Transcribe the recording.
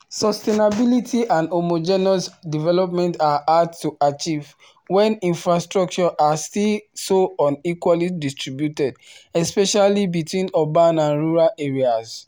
Sustainability and homogeneous development are hard to achieve when infrastructure are still so unequally distributed, especially between urban and rural areas.